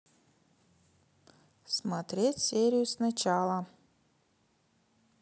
смотреть серию сначала